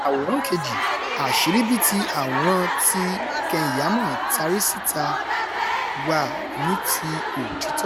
Àwòrán 2: Àṣírí bi tí àwòrán tí Keyamo tari síta wà ní ti òtítọ́.